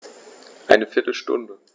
Eine viertel Stunde